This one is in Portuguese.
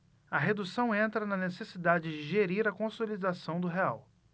a redução entra na necessidade de gerir a consolidação do real